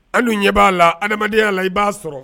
An ɲɛ b'a la adamadenyaya la i b'a sɔrɔ